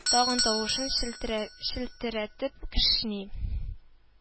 Тагын тавышын челтерә челтерәтеп кешни